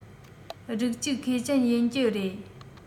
རིགས གཅིག མཁས ཅན ཡིན གྱི རེད